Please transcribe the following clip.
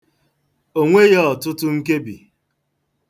O nweghị ọtụtụ nkebi.